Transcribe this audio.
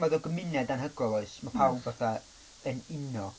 Ma' fel gymuned anhygoel oes?... oes. ...Ma' pawb fatha yn uno.